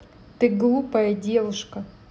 ты глупая девушка